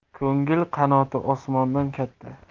ko'ngil qanoti osmondan katta